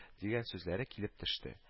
Дигән сүзләре килеп төште